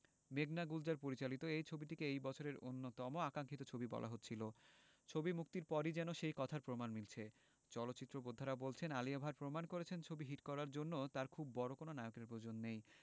মেঘনা গুলজার পরিচালিত এই ছবিটিকে এই বছরের অন্যতম আকাঙ্খিত ছবি বলা হচ্ছিল ছবি মুক্তির পরই যেন সেই কথার প্রমাণ মিলছে চলচ্চিত্র বোদ্ধারা বলছেন আলিয়া ভাট প্রমাণ করেছেন ছবি হিট করার জন্য তার খুব বড় কোনো নায়কের প্রয়োজন নেই